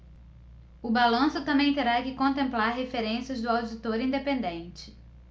o balanço também terá que contemplar referências do auditor independente